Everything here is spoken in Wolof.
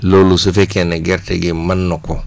loolu su fekkee ne gerte gi mën na ko